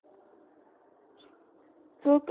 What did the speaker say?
so'k oshiga surnay